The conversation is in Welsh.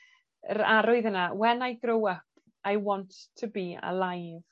yr arwydd yna when I grow up i want to be alive